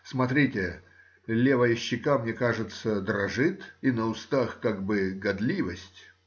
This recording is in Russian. Смотрите: левая щека, мне кажется, дрожит, и на устах как бы гадливость.